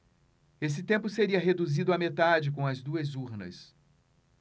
esse tempo seria reduzido à metade com as duas urnas